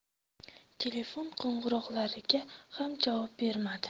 telefon qo'ng'iroqlariga ham javob bermadi